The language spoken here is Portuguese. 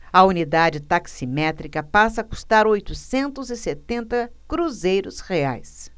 a unidade taximétrica passa a custar oitocentos e setenta cruzeiros reais